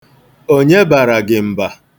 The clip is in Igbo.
Onye bara gị mba?